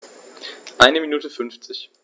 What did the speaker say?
Eine Minute 50